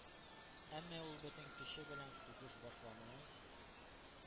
Әмма ул бөтен көче белән сугыш башлануын